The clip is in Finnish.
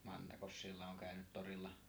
Mantakos siellä on käynyt torilla